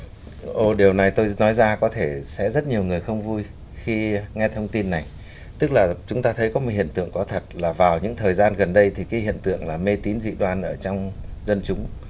ô điều này tôi nói ra có thể sẽ rất nhiều người không vui khi nghe thông tin này tức là chúng ta thấy có hiện tượng có thật là vào những thời gian gần đây thì khi hiện tượng là mê tín dị đoan ở trong dân chúng